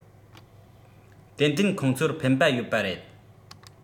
ཏན ཏན ཁོང ཚོར ཕན པ ཡོད པ རེད